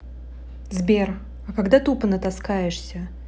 сбер а когда тупо натаскаешься